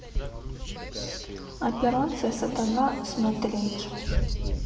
операция сатана смотреть